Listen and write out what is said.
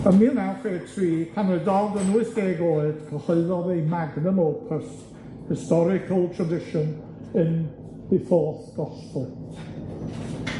Ym mil naw chwech tri, pan oedd Dodd yn wyth deg oed, cyhoeddodd ei magnum opus, historical tradition in the fourth gospl.